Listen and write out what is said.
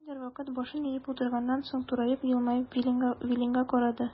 Күпмедер вакыт башын иеп утырганнан соң, тураеп, елмаеп Виленга карады.